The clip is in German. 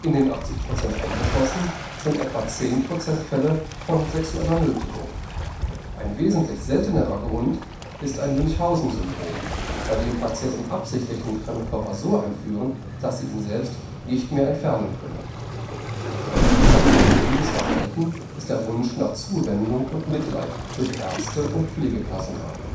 den 80 Prozent eingeschlossen sind etwa zehn Prozent Fälle von sexueller Nötigung. Ein wesentlich seltenerer Grund ist ein Münchhausen-Syndrom, bei dem Patienten absichtlich den Fremdkörper so einführen, dass sie ihn selbst nicht mehr entfernen können. Ein typischer Grund für dieses Verhalten ist der Wunsch nach Zuwendung und Mitleid durch Ärzte und Pflegepersonal